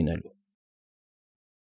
Լինելու։